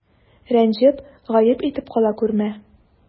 Рәнҗеп, гаеп итеп кала күрмә.